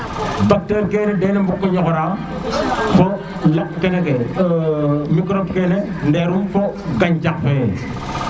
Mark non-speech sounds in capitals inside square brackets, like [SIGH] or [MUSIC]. bacteur kene dena ɓung ko ñoxora bo yak kene ke [HESITATION] microbe kene nderum fo gancax fene